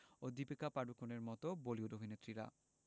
ও দীপিকা পাড়–কোনের মতো বলিউড অভিনেত্রীরা